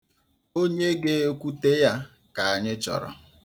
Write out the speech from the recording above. Onye ga-ekwute ya ka anyị chọrọ.